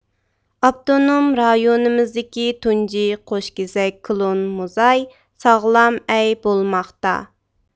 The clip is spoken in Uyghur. ئاپتونوم رايونىمىزدىكى تۇنجى قوشكېزەك كلون موزاي ساغلام ئەي بولماقتا